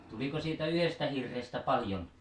tuliko siitä yhdestä hirrestä paljon